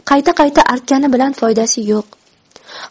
qayta qayta artgani bilan foydasi yo'q